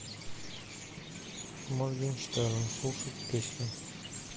моргенштерн слушать песню